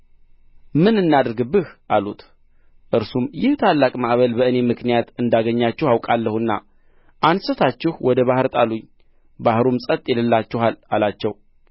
ምን እናድርግብህ አሉት እርሱም ይህ ታላቅ ማዕበል በእኔ ምክንያት እንዳገኛችሁ አውቃለሁና አንሥታችሁ ወደ ባሕር ጣሉኝ ባሕሩም ጸጥ ይልላችኋል አላቸው